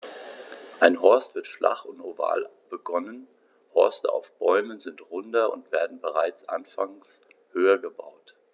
Ein Horst wird flach und oval begonnen, Horste auf Bäumen sind runder und werden bereits anfangs höher gebaut.